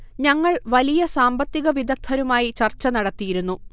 ഞങ്ങൾ വലിയ സാമ്പത്തിക വിദ്ഗധരുമായി ചർച്ച നടത്തിയിരുന്നു